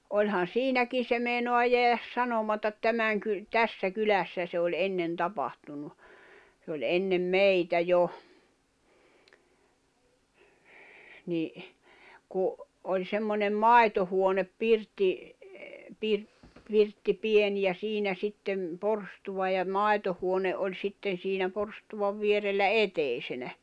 olihan siinäkin se meinaa jäädä sanomatta tämän - tässä kylässä se oli ennen tapahtunut se oli ennen meitä jo niin kun oli semmoinen maitohuone pirtti - pirtti pieni ja siinä sitten porstua ja maitohuone oli sitten siinä porstuan vierellä eteisenä